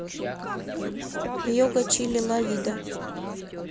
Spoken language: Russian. йога чили ла вида